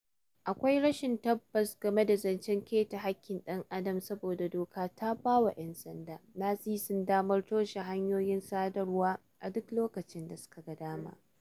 Akwai rashin tabbas game da zancen keta haƙƙin ɗan adam saboda doka ta ba wa 'yan sanda lasisin damar toshe hanyoyin sadarwa a duk lokacin da su ka ga dama.